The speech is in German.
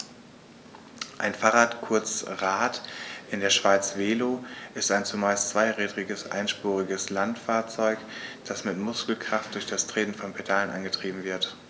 Ein Fahrrad, kurz Rad, in der Schweiz Velo, ist ein zumeist zweirädriges einspuriges Landfahrzeug, das mit Muskelkraft durch das Treten von Pedalen angetrieben wird.